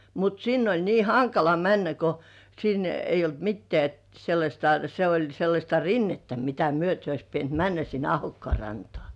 mutta sinne oli niin hankala mennä kun sinne ei ollut mitään sellaista se oli sellaista rinnettä mitä myöten olisi pitänyt mennä sinne Ahokkaan rantaan